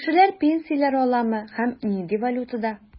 Кешеләр пенсияләр аламы һәм нинди валютада?